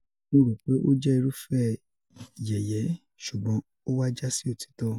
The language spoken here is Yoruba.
"Mo ro pe o jẹ irufẹ yẹyẹ, ṣugbọn o wa jasi otitọ."